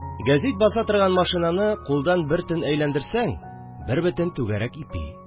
Гәзит баса торган машинаны кулдан бер төн әйләндерсәң – бер бөтен түгәрәк ипи